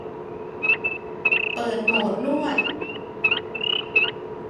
เปิดโหมดนวด